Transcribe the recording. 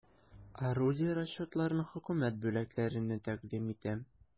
Орудие расчетларын хөкүмәт бүләкләренә тәкъдим итәм.